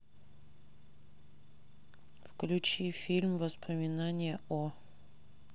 включи фильм воспоминания о